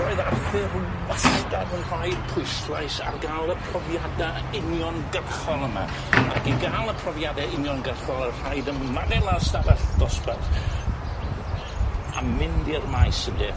Roedd Arthur wastad yn rhoi pwyslais ar ga'l y profiada uniongyrchol yma ag i ga'l y profiade uniongyrchol o' rhaid ymadel ar stafell dosbarth a mynd i'r maes ynde?